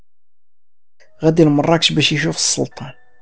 غدير مراكش بيشوف السلطان